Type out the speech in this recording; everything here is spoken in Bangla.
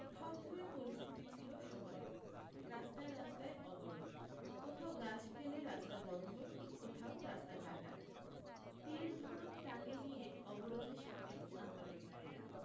থমথমে পরিস্থিতি ছিল শহরের রাস্তায় রাস্তায় অবরোধ কোথাও গাছ ফেলে রাস্তা বন্ধ কোথাও রাস্তা কাটা তীর ধনুক টাঙ্গি নিয়ে অবরোধে সামিল আন্দোলনকারীরা